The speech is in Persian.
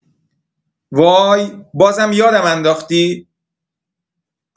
وای بازم یادم انداختی